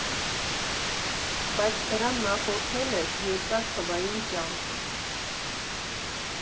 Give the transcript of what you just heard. Բայց դրան նախորդել էր երկար թվային կյանքը.